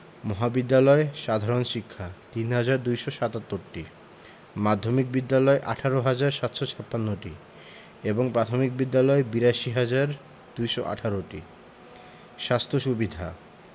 মহাবিদ্যালয় সাধারণ শিক্ষা ৩হাজার ২৭৭টি মাধ্যমিক বিদ্যালয় ১৮হাজার ৭৫৬টি এবং প্রাথমিক বিদ্যালয় ৮২হাজার ২১৮টি স্বাস্থ্য সুবিধাঃ